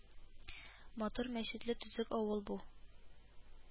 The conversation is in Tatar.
Матур мәчетле, төзек авыл бу